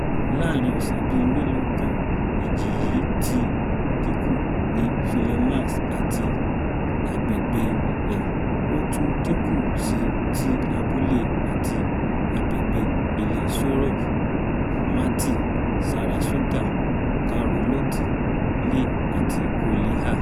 Láàrin ọ̀sẹ̀ bíi mélòó kan, Ìjì yí ti dínkù ní Pinellas àti agbègbè̀ ẹ̀. Ó tún dínkù sí ti abúlé àti agbègbè̀ Hillsborough, Mantee, Sarasota, Charlotte, Lee àti Collier.